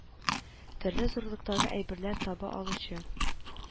Төрле зурлыктагы әйберләр таба алучы